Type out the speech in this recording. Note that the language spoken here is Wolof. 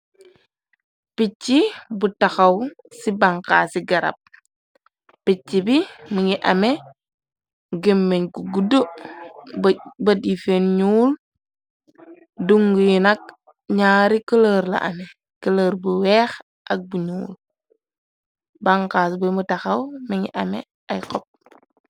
Pitchi bu takhaw cii banhassi garab, pitchi bii mungy ameh gehmengh gu gudu, bot yii njull, dunhu yii nak njaari couleur la ameh, couleur bu wekh, ak bu njull, banhass bum takhaw mungy ameh aiiy hohbb.